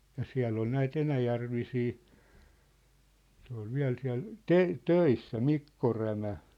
ja siellä oli näitä enäjärvisiä se oli vielä siellä - töissä Mikko Rämä